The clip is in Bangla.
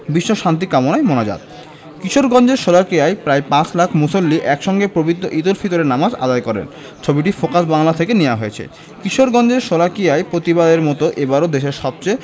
বিশ্বশান্তি কামনায় মোনাজাত কিশোরগঞ্জের শোলাকিয়ায় প্রায় পাঁচ লাখ মুসল্লি একসঙ্গে পবিত্র ঈদুল ফিতরের নামাজ আদায় করেন ছবিটি ফোকাস বাংলা থেকে নেয়া হয়েছে কিশোরগঞ্জের শোলাকিয়ায় প্রতিবারের মতো এবারও দেশের সবচেয়ে